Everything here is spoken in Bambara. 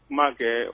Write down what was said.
Kuma' kɛ